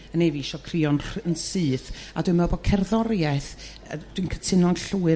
Yn neu' fi 'sio crio'n rh- yn syth a dwi'n me'wl bo' cerddori'eth yrr dwi'n cytuno'n llwyr